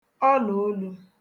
ọlàolū